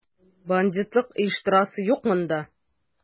Бандитлык оештырасы юк монда!